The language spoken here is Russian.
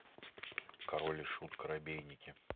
король и шут коробейники